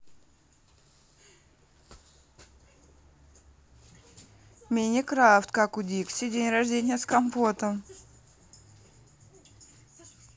minecraft как у дикси день рождения с компотом